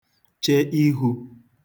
che ihū